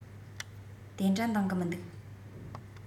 དེ འདྲ འདང གི མི འདུག